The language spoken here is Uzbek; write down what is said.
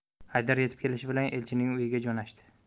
haydar yetib kelishi bilan elchinning uyiga jo'nashdi